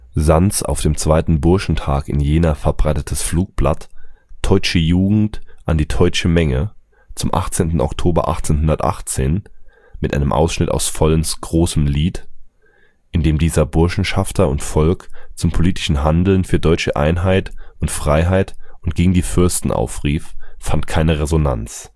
Sands auf dem zweiten Burschentag in Jena verbreitetes Flugblatt Teutsche Jugend an die teutsche Menge, zum 18. October 1818 mit einem Ausschnitt aus Follens Großem Lied, in dem dieser Burschenschafter und Volk zum politischen Handeln für deutsche Einheit und Freiheit und gegen die Fürsten aufrief, fand keine Resonanz